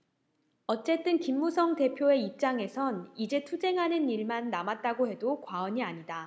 어쨌든 김무성 대표의 입장에선 이제 투쟁하는 일만 남았다고 해도 과언이 아니다